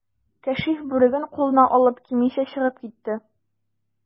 Кәшиф, бүреген кулына алып, кимичә чыгып китте.